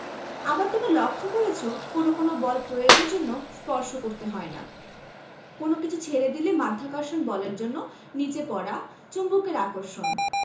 আবার তোমরা লক্ষ করেছ কোনো কোনো বল প্রয়োগের জন্য স্পর্শ করতে হয় না কোনো কিছু ছেড়ে দিলে মাধ্যাকর্ষণ বলের জন্য নিচে পড়া চুম্বকের আকর্ষণ